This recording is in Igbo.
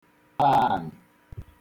paànị